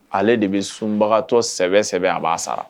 Ale de bɛ sunbagatɔ sɛbɛ sɛbɛ a b'a sara